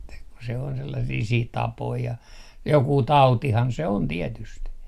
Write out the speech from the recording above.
että kun se on sellaisia sitten tapoja ja joku tautihan se on tietysti